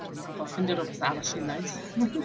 Dwi'm yn gwybod, ffeindio rhywbeth arall i'w wneud .